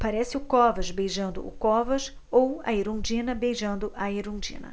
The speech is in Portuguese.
parece o covas beijando o covas ou a erundina beijando a erundina